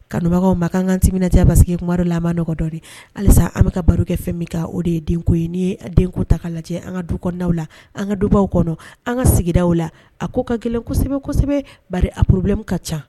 Kabaga ma kanan kansinmina na caya basi queru laban dɔgɔ dɔn halisa an bɛka ka baro kɛ fɛn min o de ye denko ye n'i ye den ta lajɛ an ka du kɔndaw la an ka dubaw kɔnɔ an ka sigida la a ko ka gɛlɛn kosɛbɛsɛbɛ ba a pporobimu ka ca